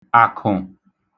àk̇ụ̀